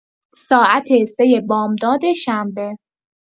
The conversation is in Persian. ساعت ۳: ۰۰ بامداد شنبه.